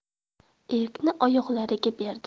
erkni oyoqlariga berdi